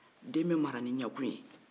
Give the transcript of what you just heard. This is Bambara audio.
den bɛ mara ni ɲɛ kun ye